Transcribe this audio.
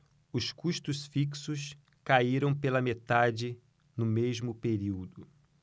os custos fixos caíram pela metade no mesmo período